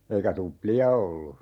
eikä tuplia ollut